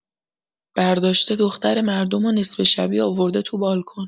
برداشته دختر مردم و نصف شبی آورده تو بالکن.